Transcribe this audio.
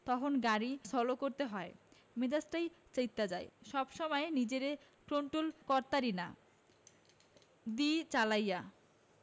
তহন গাড়ি সোলো করতে হয় মেজাজটাই চেইত্তা যায় সব সময় নিজেরে কন্টোল করতারি না দি চালায়া...